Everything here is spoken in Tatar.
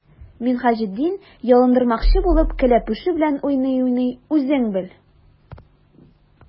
Минһаҗетдин, ялындырмакчы булып, кәләпүше белән уйный-уйный:— Үзең бел!